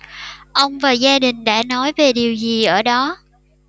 ông và gia đình đã nói về điều gì ở đó